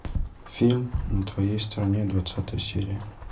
фильм на твоей стороне двенадцатая серия